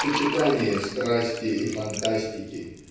сочетание страсти и фантастики